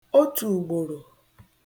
otùùgbòrò